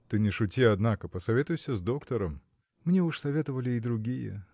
– Ты не шути, однако: посоветуйся с доктором. – Мне уж советовали и другие